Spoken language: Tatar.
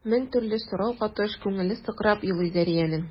Мең төрле сорау катыш күңеле сыкрап елый Зәриянең.